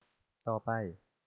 ต่อไป